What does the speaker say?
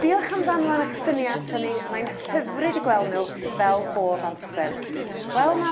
Diolch am ddamfon 'ych llynia ato ni mae'n hyfryd 'u gwel' n'w fel bob amser. Wel ma'...